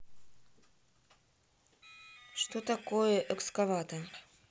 что такое экскаватор